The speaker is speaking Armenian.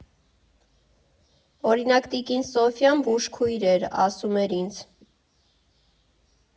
Օրինակ՝ տիկին Սոֆյան, բուժքույր էր, ասում էր ինձ.